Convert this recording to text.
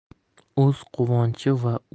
o'z quvonchi va